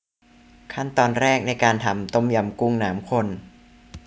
ขั้นตอนแรกในการทำต้มยำกุ้งน้ำข้น